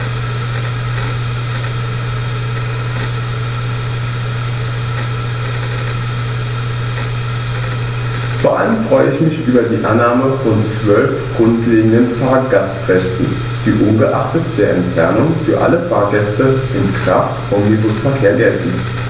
Vor allem freue ich mich über die Annahme von 12 grundlegenden Fahrgastrechten, die ungeachtet der Entfernung für alle Fahrgäste im Kraftomnibusverkehr gelten.